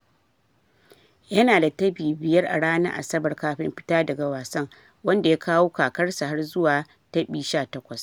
Yana da tabi biyar a ranar Asabar kafin fita daga wasan, wanda ya kawo kakarsa har zuwa tabi 18.